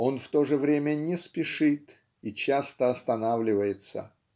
он в то же время не спешит и часто останавливается.